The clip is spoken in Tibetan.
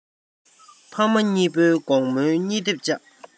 ཕ མ གཉིས པོའི དགོང མོའི གཉིད ཐེབས བཅག